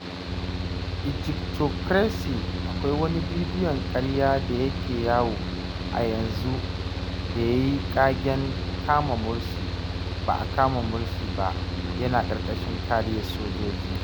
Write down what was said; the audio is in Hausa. Egyptocracy: Akwai wani bidiyon ƙarya da yake yawo a yanzu da ya yi ƙagen '#kama Morsi', ba a kama Morsi ba, yana ƙarƙashin kariyar sojoji.